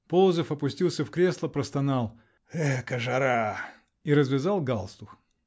Полозов опустился в кресло, простонал: "Эка жара!" -- и развязал галстук.